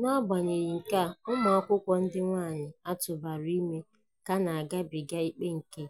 Na-agbanyeghị nke a, ụmụakwukwọ ndị nwaanyị a tụbara ime ka na-agabiga ikpe nke